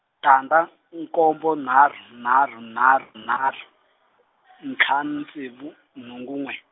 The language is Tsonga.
tandza, nkombo nharhu nharhu nharhu nharhu, ntlhanu ntsevu, nhungu n'we.